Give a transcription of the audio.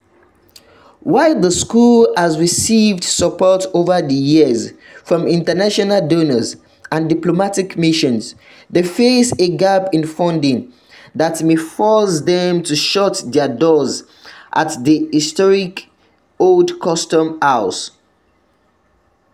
While the school has received support over the years from international donors and diplomatic missions, they face a gap in funding that may force them to shut their doors at the historic Old Customs House.